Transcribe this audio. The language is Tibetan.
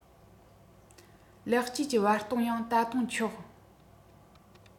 ལེགས བཅོས ཀྱི བར སྟོང ཡང ད དུང ཆོག